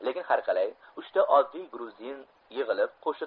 lekin har qalay uchta oddiy gruzin yig'ilib qo'shiq ayta boshlasa